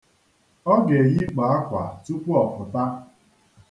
Ọ ga-eyikpo akwa tupu ọ pụta.